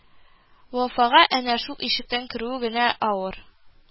Вафага әнә шул ишектән керүе генә авыр